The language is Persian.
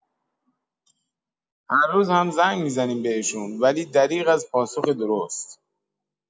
هر روز هم زنگ می‌زنیم بهشون ولی دریغ از پاسخ درست!